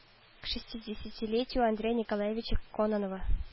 К шестидесятилетию андрея николаевича кононова